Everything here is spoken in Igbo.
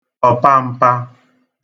ọ̀pampa